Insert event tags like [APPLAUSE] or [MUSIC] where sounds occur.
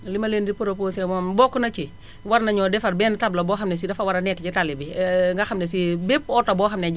li ma leen di proposé moom bokk na ci war nañoo defar benn tableau boo xam ne si dafa war a nekk ci tali bi [HESITATION] nga xam ne si bépp oto boo xam ne